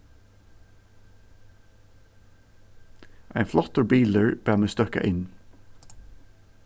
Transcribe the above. ein flottur bilur bað meg støkka inn